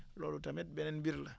loolu tamit beneen mbir la